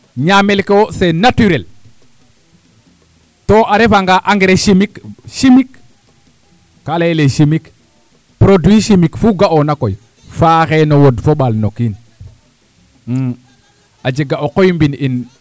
ñaamel ke wo c' est naturel to a refanga engrais chimique chimique kaa layel ee chimique produit fuu ga'oona koy faaxee no wod fo ɓaal no kiin a jega o qoy mbind in